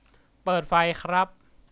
เปิดไฟครับ